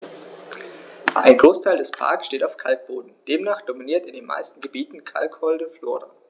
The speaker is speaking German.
Ein Großteil des Parks steht auf Kalkboden, demnach dominiert in den meisten Gebieten kalkholde Flora.